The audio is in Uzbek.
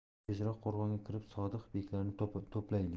tezroq qo'rg'onga kirib sodiq beklarni to'playlik